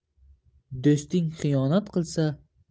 do'sting xiyonat qilsa